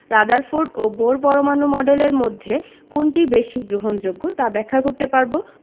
⦁ Rutherford ও Bohr পরমাণু মডেলের মধ্যে কোনটি বেশি গ্রহণযোগ্য তা ব্যাখ্যা করতে পারব